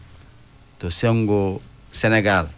to senngo Sénégal